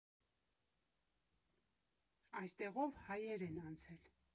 Այստեղով հայեր են անցել։